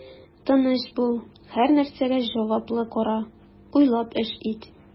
Тыныч бул, һәрнәрсәгә җаваплы кара, уйлап эш ит.